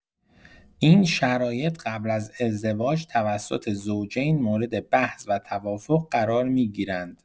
این شرایط قبل از ازدواج توسط زوجین مورد بحث و توافق قرار می‌گیرند.